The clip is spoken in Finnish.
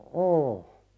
on